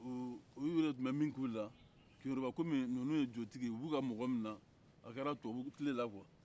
o olu yɛrɛ tun bɛ min k'u la keyoroba kɔmi ninnu ye jotigi ye u b'u ka mɔgɔ minɛ a kɛra tubabu tile la kuwa